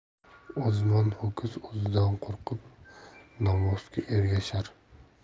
ozman ho'kiz o'zidan qo'rqib novvosga ergashar